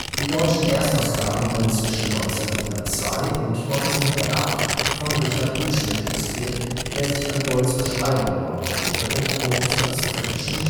Die deutschen Erstausgaben wurden zwischen 1902 und 1908 von Richard Gutschmidt illustriert, der sich an Doyles Beschreibung orientierte und Holmes als britischen